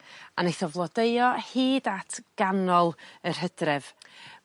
A neith o flodeuo hyd at ganol yr Hydref.